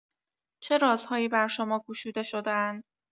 چه رازهایی برشما گشوده شده‌اند؟